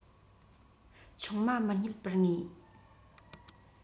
ཆུང མ མི རྙེད པར ངེས